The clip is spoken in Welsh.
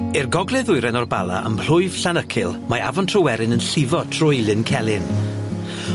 I'r gogledd ddwyren o Llyn Bala ym mhlwyf Llanycil mae afon Tryweryn yn llifo trwy Lyn Celyn.